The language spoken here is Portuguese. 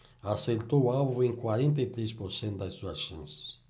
acertou o alvo em quarenta e três por cento das suas chances